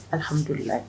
Alihamdulila